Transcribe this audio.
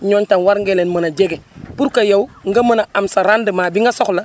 ñooñu tam war nga leen mën a jege pour que yow nga mën a am sa rendement bi nga soxla